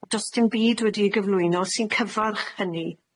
Do's dim byd wedi'i gyflwyno sy'n cyfarch hynny.